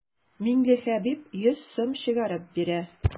Миңлехәбиб йөз сум чыгарып бирә.